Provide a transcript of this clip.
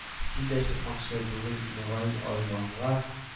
Җил дә чыкмакчы, бүген, мөгаен, айванга